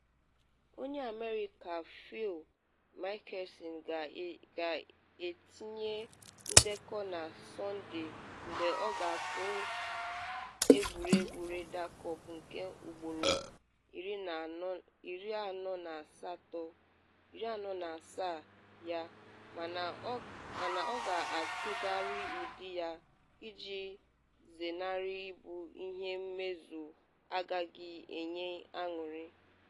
Onye America Phil Mickelson ga-etinye ndekọ na Sọnde mgbe ọ ga-akụ egwuregwu Ryder Cup nke ugboro 47 ya, mana ọ ga-atụgharị ụdị ya iji zenarị ịbụ ihe mmezu agaghị enye anụrị.